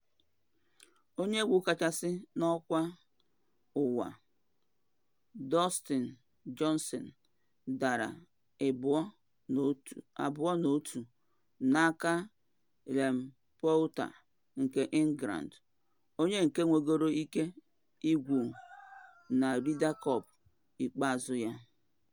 Onye egwu kachasị n’ọkwa n’ụwa, Dustin Johnson, dara 2 na 1 n’aka Ian Poulter nke England onye nke nwegoro ike igwu na Ryder Cup ikpeazụ ya.